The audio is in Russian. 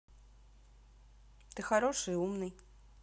ты хороший и умный